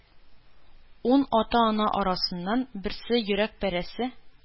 Ун ата-ана арасыннан берсенең йөрәк парәсе